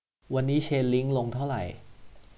วันนี้เชนลิ้งลงเท่าไหร่